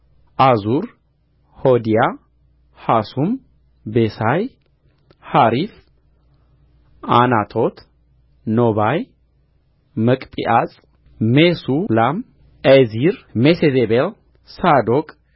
ዓዙር ሆዲያ ሐሱም ቤሳይ ሐሪፍ ዓናቶት ኖባይ መግጲዓስ ሜሱላም ኤዚር ሜሴዜቤል ሳዶቅ